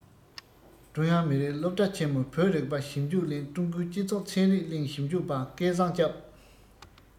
ཀྲུང དབྱང མི རིགས སློབ གྲྭ ཆེན མོ བོད རིག པ ཞིབ འཇུག གླིང ཀྲུང གོའི སྤྱི ཚོགས ཚན རིག གླིང ཞིབ འཇུག པ སྐལ བཟང སྐྱབས